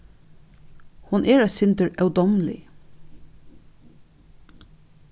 hon er eitt sindur ódámlig